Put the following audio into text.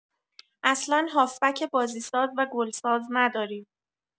اصلا هافبک بازی‌ساز و گل ساز نداریم.